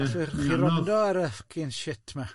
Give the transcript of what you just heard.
Allwch chi rondo ar y fucking shit yma.